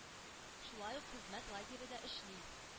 Шулай ук хезмәт лагере да эшли.